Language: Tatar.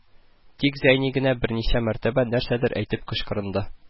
Тик Зәйни генә берничә мәртәбә нәрсәдер әйтеп кычкырынды